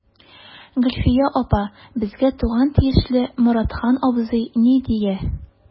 Гөлфия апа, безгә туган тиешле Моратхан абзый ни дия.